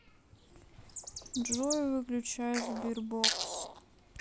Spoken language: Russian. джой выключай sberbox